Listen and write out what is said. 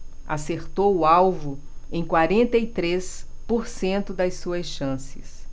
acertou o alvo em quarenta e três por cento das suas chances